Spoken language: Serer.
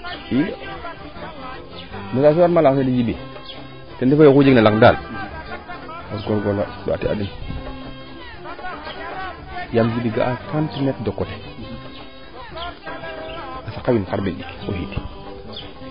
i message fe warma lancer de Djiby ten refu yee oxu jeg na laŋ daal o goorgoor loox exploiter a den yaam ga'a saqa wiin xarɓeen ɗik